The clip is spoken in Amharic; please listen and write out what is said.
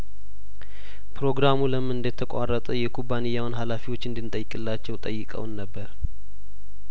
ፕሮግራሙ ለምን እንደተቋረጠ የኩባንያውን ሀላፊዎች እንድን ጠይቅላቸው ጠይቀውን ነበር